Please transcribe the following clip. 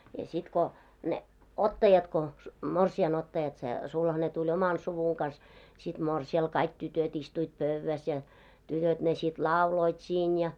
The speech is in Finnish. ja sitten kun ne ottajat kun morsiamen ottajat se sulhanen tuli omalla suvun kanssa sitten morsiamelle kaikki tytöt istuivat pöydässä ja tytöt ne sitten lauloivat siinä ja